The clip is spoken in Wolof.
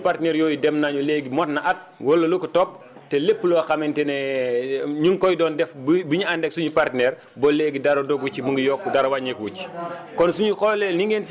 yàlla def na suñu pertenaires yooyu dem nañu léegi mot na at wala lu ko topp te lépp loo xamante ne ñu ngi koy doon def bi ñu àndeeg suñu partenaires ba léegi dara dogu ci mu ngi yokku dara wàññeeku wu ci